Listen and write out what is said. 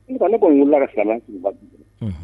N ne ko wulilala ka fɛn sugu